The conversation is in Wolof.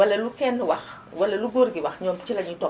walla lu kenn wax walla lu góor gi wax ñoom si la ñuy topp